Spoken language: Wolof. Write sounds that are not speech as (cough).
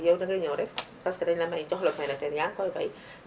yow dangay ñew rek parce que dañu la may jox la lopin de terre yaa ngi koy bay (inhales)